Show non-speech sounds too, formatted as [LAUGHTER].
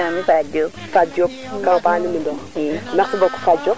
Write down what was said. ka i ngoxan i ƴuta nga ƴuyt dal bo njeg [UNINTELLIGIBLE]